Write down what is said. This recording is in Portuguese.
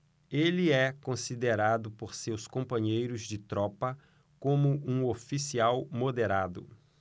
ele é considerado por seus companheiros de tropa como um oficial moderado